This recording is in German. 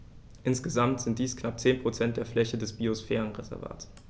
Insgesamt sind dies knapp 10 % der Fläche des Biosphärenreservates.